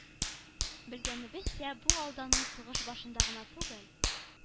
Белгәнебезчә, бу алдану сугыш башында гына түгел,